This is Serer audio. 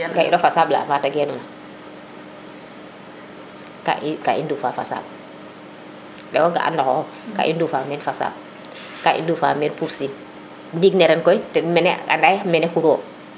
ga iro fasaɓ la mate genuna ka i ndufa fasaɓ ye wo ga ana xoxof ka i ndufa men fasaɓ ka i ndufa meen pursin ndiŋ ne ren koy ten mene anda ye mene xuro